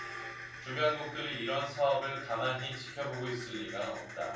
주변국들이 이런 사업을 가만히 지켜보고 있을 리가 없다